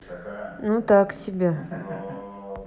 ну так себе